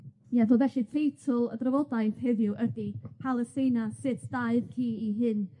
Ie, so felly teitl y drafodaeth heddiw ydi Palesteina sut daeth hi i hun.